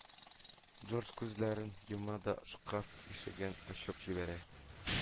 Джордж күзләрен йома да шкаф ишеген ачып җибәрә